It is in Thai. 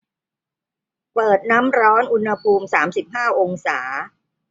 เปิดน้ำร้อนอุณหภูมิสามสิบห้าองศา